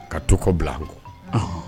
Ka to kɔ bila an kɔ